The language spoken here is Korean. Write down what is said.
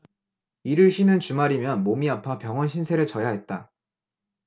일을 쉬는 주말이면 몸이 아파 병원 신세를 져야 했다